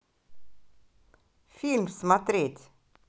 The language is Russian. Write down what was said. фильм смотреть